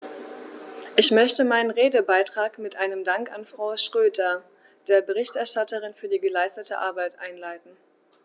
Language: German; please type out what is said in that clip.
Ich möchte meinen Redebeitrag mit einem Dank an Frau Schroedter, der Berichterstatterin, für die geleistete Arbeit einleiten.